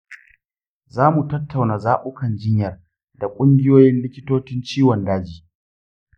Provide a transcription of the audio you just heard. zamu tattauna zabukan jinyar da kungiyoyin likitocin ciwon daji.